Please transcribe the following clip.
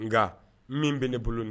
Nka min bɛ ne bolo